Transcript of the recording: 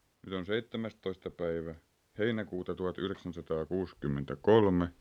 nyt on seitsemästoista päivä heinäkuuta tuhatyhdeksänsataakuuskiymmentäkolme